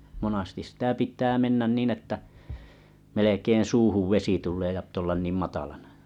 monasti sitä pitää mennä niin että melkein suuhun vesi tulee ja pitää olla niin matalana